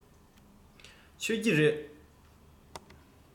མཆོད ཀྱི རེད